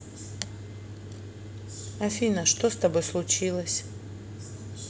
афина что с тобой случилось